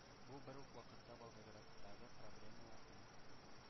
– бу бер үк вакытта волгоградтагы проблемалардан